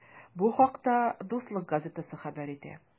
Бу хакта “Дуслык” газетасы хәбәр итә.